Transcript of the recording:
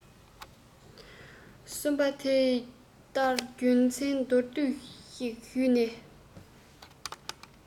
གསུམ པ དེ ལྟར རྒྱུ མཚན མདོར བསྡུས ཤིག ཞུས ན